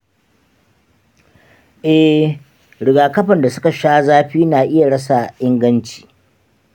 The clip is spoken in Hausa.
eh, rigakafin da suka sha zafi na iya rasa inganci.